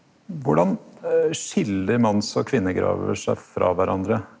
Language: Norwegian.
korleis skil manns- og kvinnegraver seg frå kvarandre?